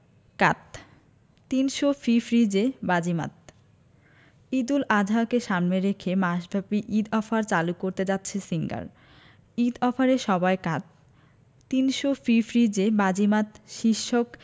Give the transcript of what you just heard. কাত ৩০০ ফ্রি ফ্রিজে বাজিমাত ঈদুল আজহাকে সামনে রেখে মাসব্যাপী ঈদ অফার চালু করতে যাচ্ছে সিঙ্গার ঈদ অফারে সবাই কাত ৩০০ ফ্রি ফ্রিজে বাজিমাত শীর্ষক